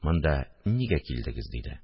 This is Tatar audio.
Монда нигә килдегез? – диде